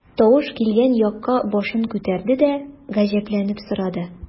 Тавыш килгән якка башын күтәрде дә, гаҗәпләнеп сорады.